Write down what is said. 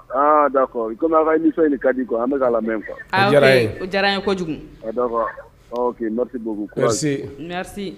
Aa da fɔ i in ka di kuwa an bɛ k'a lamɛn diyara ye kojugu a dariti bɔri